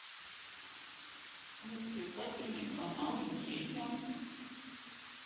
развлекательные каналы детям